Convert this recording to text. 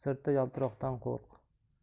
sirti yaltiroqdan qo'rq